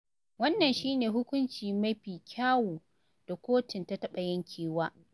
Wannan shi ne hukunci mafi kyawu da kotun ta taɓa yankewa.